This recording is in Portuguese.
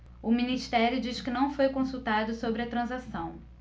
o ministério diz que não foi consultado sobre a transação